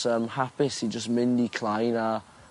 yn hapus i jys myn' i Clyne a